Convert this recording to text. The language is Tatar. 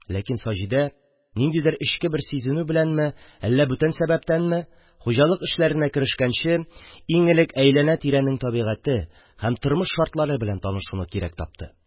Ләкин Саҗидә, ниндидер эчке бер сизенү беләнме, әллә бүтән сәбәптәнме, хуҗалык эшләренә керешкәнче иң элек әйләнә-тирәнең тәбигате һәм тормыш шартлары белән танышуны кирәк тапты.